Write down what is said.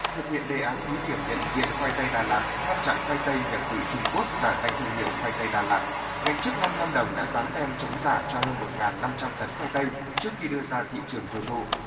thực hiện đề án thí điểm nhận diện khoai tây đà lạt ngăn chặn khoai tây nhập từ trung quốc giả danh thương hiệu khoai tây đà lạt ngành chức năng lâm đồng đã dán tem chống giả cho hơn một ngàn năm trăm tấn khoai tây trước khi đưa ra thị trường tiêu thụ